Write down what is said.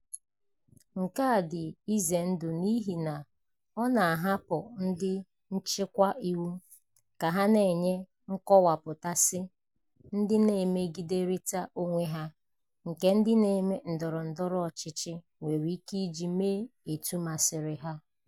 Nke a dị izendụ n'ihi na ọ na-ahapụ ndị nchịkwa iwu ka ha na-enye nkọwapụtasị ndị na-emegiderịta onwe ha nke ndị na-eme ndọrọ ndọrọ ọchịchị nwere ike iji mee etu masịrị ha.